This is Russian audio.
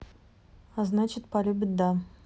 а значит полюбит да